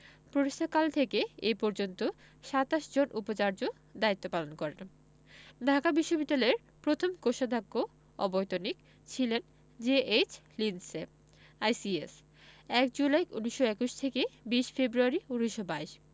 প্রতিষ্ঠাকাল থেকে এ পর্যন্ত ২৭ জন উপচার্য দায়িত্ব পালন করেন ঢাকা বিশ্ববিদ্যালয়ের প্রথম কোষাধ্যক্ষ অবৈতনিক ছিলেন জে.এইচ লিন্ডসে আইসিএস ১ জুলাই ১৯২১ থেকে ২০ ফেব্রুয়ারি ১৯২২